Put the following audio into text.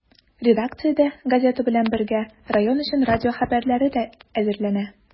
Редакциядә, газета белән бергә, район өчен радио хәбәрләре дә әзерләнә.